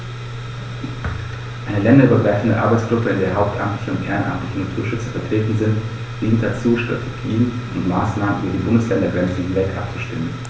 Eine länderübergreifende Arbeitsgruppe, in der hauptamtliche und ehrenamtliche Naturschützer vertreten sind, dient dazu, Strategien und Maßnahmen über die Bundesländergrenzen hinweg abzustimmen.